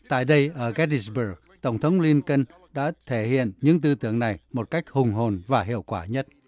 tại đây ở ghét ti bớc tổng thống lin cơn đã thể hiện những tư tưởng này một cách hùng hồn và hiệu quả nhất